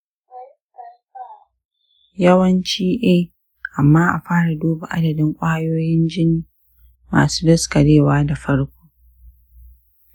yawanci eh, amma a fara duba adadin ƙwayoyin jini masu daskarewa da farko.